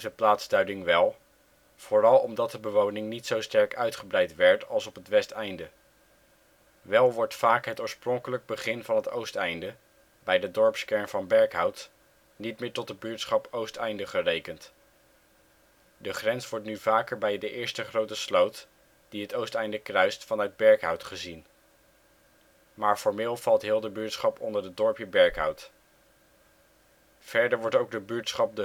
plaatsduiding wel, vooral omdat de bewoning niet zo sterk uitgebreid werd als op het Westeinde. Wel wordt vaak het oorspronkelijk begin van het Oosteinde, bij de dorpskern van Berkhout, niet meer tot de buurtschap Oosteinde gerekend. De grens wordt nu vaker bij de eerste grote sloot die het Oosteinde kruist vanuit Berkhout gezien. Maar formeel valt heel de buurtschap onder het dorp Berkhout. Verder wordt ook de buurtschap